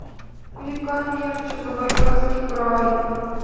река нерча забайкальский край